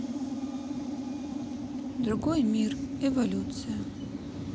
другой мир эволюция